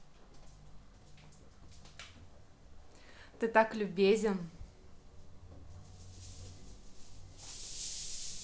ты так любезен